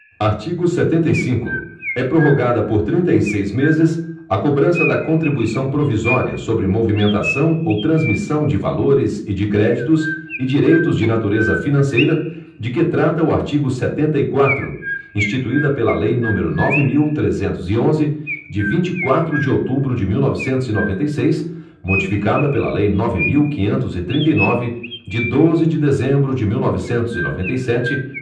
artigo setenta e cinco é prorrogada por trinta e seis meses a cobrança da contribuição provisória sobre movimentação ou transmissão de valores e de créditos e direitos de natureza financeira de que trata o artigo setenta e quatro instituída pela lei número nove mil trezentos e onze de vinte e quatro de outubro de mil novecentos e noventa e seis modificada pela lei nove mil quinhentos e trinta e nove de doze de dezembro de mil novecentos e noventa e sete